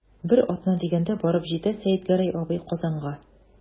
Бер атна дигәндә барып җитә Сәетгәрәй абый Казанга.